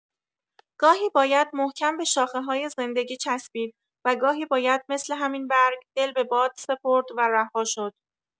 گاهی باید محکم به شاخه‌های زندگی چسبید و گاهی باید مثل همین برگ، دل به باد سپرد و رها شد.